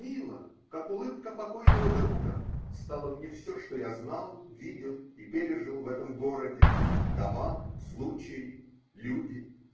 мило, как улыбка покойного друга, стало мне все, что я знал, видел и пережил в этом городе -- дома, случаи, люди.